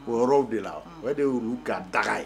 Hɔrɔnw de la o de y ka daga ye